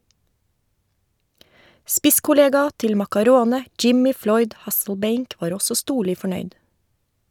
Spisskollega til Maccarone, Jimmy Floyd Hasselbaink var også storlig fornøyd.